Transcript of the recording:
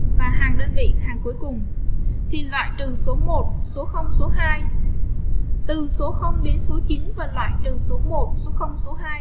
hàng đơn vị hàng cuối cùng kim loại từ số số số từ số đến số và lại từ số số số